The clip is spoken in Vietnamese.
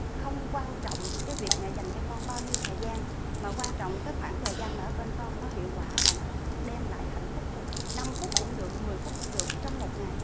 không quan trọng cái việc mẹ dành cho con bao nhiêu thời gian mà quan trọng cái khoảng thời gian mà ở bên con nó hiệu quả và nó đem lại hạnh phúc cho con năm phút cũng được mười phút cũng được trong một ngày